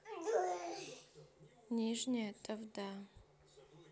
нижняя тавда